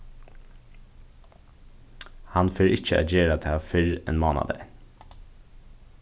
hann fer ikki at gera tað fyrr enn mánadagin